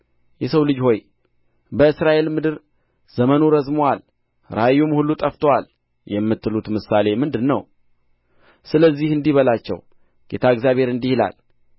የሰው ልጅ ሆይ በእስራኤል ምድር ዘመኑ ረዝሞአል ራእዩም ሁሉ ጠፍቶአል የምትሉት ምሳሌ ምንድር ነው ስለዚህ እንዲህ በላቸው ጌታ እግዚአብሔር እንዲህ ይላል